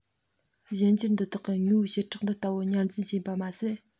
གཞན འགྱུར འདི དག གིས དངོས པོའི བྱེ བྲག འདི ལྟ བུ ཉར འཛིན བྱེད པ མ ཟད